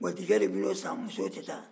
gwatigikɛ de bɛ n'o san muso tɛ ta